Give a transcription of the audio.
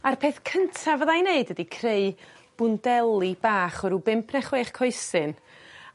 A''r peth cynta fydda i'n neud ydi creu bwndeli bach o rw bump ne' chwech coesyn